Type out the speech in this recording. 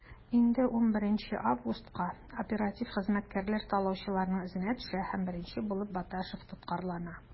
Инде 11 августка оператив хезмәткәрләр талаучыларның эзенә төшә һәм беренче булып Баташев тоткарлана.